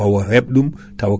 ko wayno Dial naɓe